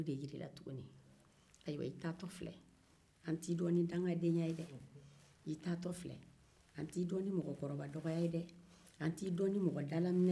i taato filɛ an t'i dɔn ni mɔgɔkɔrɔbadɔgɔya ye dɛ an ti dɔn ni mɔgɔdalaminɛ ye dɛ